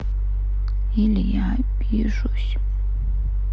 или я обижусь